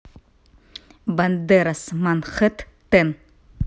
бандера с манхэттен